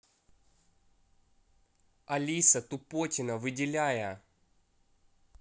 алиса тупотина выделяя